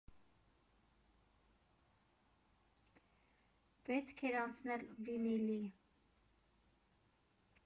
Պետք էր անցնել վինիլի։